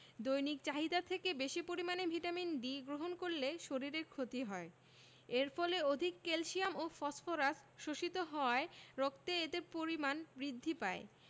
দৈনিক চাহিদা থেকে বেশী পরিমাণে ভিটামিন D গ্রহণ করলে শরীরের ক্ষতি হয় এর ফলে অধিক ক্যালসিয়াম ও ফসফরাস শোষিত হওয়ায় রক্তে এদের পরিমাণ বৃদ্ধি পায়